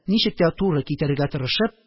Ничек тә туры китерергә тырышып